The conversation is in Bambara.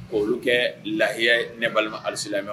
K'olu tɛɛ lahiya ye ne balima alisilamɛw